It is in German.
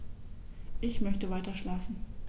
Ich möchte weiterschlafen.